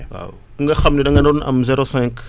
waaw ki nga xam ne da nga doon am zero cinq